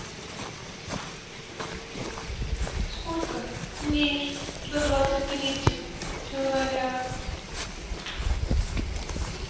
сколько дней до двадцать третьего февраля